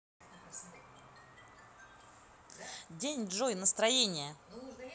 день джой настроение